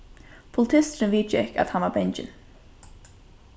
politisturin viðgekk at hann var bangin